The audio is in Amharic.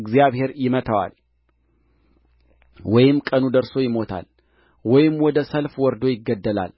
እግዚአብሔር ይመታዋል ወይም ቀኑ ደርሶ ይሞታል ወይም ወደ ሰልፍ ወርዶ ይገደላል